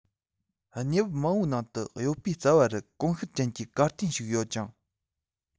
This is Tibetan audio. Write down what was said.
གནས བབ མང པོའི ནང དུ གཡོ སྤུའི རྩ བ རུ ཀོང ཤར ཅན གྱི ཀ རྟེན ཞིག ཡོད ཅིང